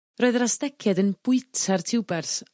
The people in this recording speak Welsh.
Roedd yr Astecied yn bwyta'r tiwbers.